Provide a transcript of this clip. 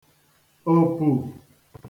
òpù